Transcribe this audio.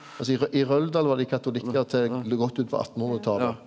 altså i i Røldal var dei katolikkar til godt ut på attenhundretalet.